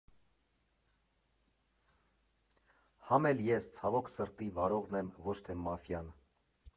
Համ էլ ես, ցավոք սրտի, վարողն եմ, ոչ թե մաֆիան։